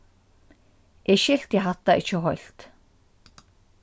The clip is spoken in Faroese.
eg skilti hatta ikki heilt